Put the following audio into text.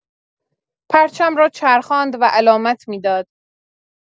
پرچم را چرخاند و علامت می‌داد